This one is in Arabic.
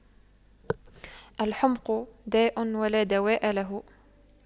الحُمْقُ داء ولا دواء له